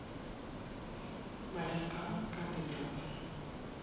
войска кадырова